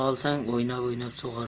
olsang o'ynab o'ynab sug'orasan